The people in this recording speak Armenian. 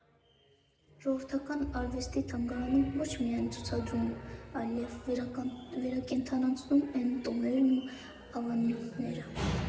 Ժողովրդական արվեստների թանգարանում ոչ միայն ցուցադրում, այլև վերակենդանացնում են տոներն ու ավանդույթները։